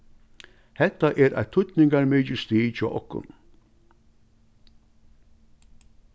hetta er eitt týdningarmikið stig hjá okkum